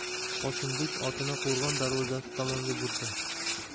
qosimbek otini qo'rg'on darvozasi tomonga burdi